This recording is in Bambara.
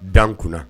Dan kunna